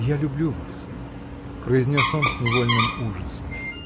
я люблю вас, -- произнес он с невольным ужасом.